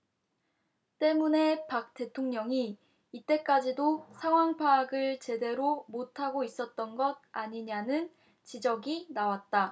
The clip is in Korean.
때문에 박 대통령이 이때까지도 상황 파악을 제대로 못하고 있었던 것 아니냐는 지적이 나왔다